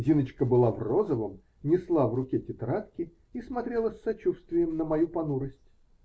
Зиночка была в розовом, несла в руке тетрадки и смотрела с сочувствием на мою понурость.